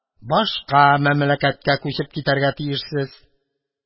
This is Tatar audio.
Башка мәмләкәткә күчеп китәргә тиешсез.